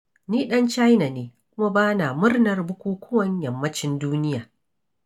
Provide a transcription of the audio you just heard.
2.Ni ɗan China ne, kuma ba na murnar bukukuwan Yammacin duniya.